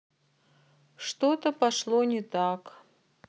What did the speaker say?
что то пошло не так